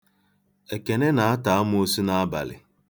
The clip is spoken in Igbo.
Ekene na-ata amoosu n'abalị.